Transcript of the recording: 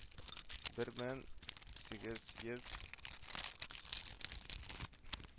Бер мең сигез йөз